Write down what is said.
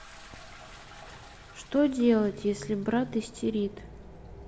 что делать если брат истерит